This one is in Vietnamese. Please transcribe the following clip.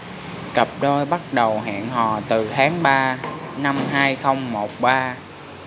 cặp đôi bắt đầu hẹn hò từ tháng ba năm hai không một ba